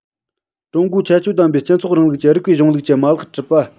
ཀྲུང གོའི ཁྱད ཆོས ལྡན པའི སྤྱི ཚོགས རིང ལུགས ཀྱི རིགས པའི གཞུང ལུགས ཀྱི མ ལག གྲུབ པ